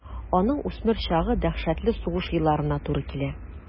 Аның үсмер чагы дәһшәтле сугыш елларына туры килә.